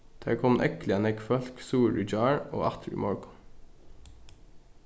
tað eru komin ógvuliga nógv fólk suður í gjár og aftur í morgun